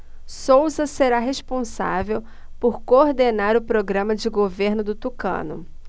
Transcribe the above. souza será responsável por coordenar o programa de governo do tucano